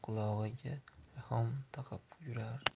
qulog'iga rayhon taqib yurar